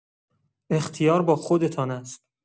اختیار با خودتان است.